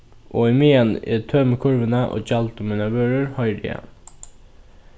og ímeðan eg tømi kurvina og gjaldi mínar vørur hoyri eg hann